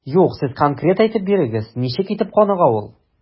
Юк, сез конкрет әйтеп бирегез, ничек итеп каныга ул?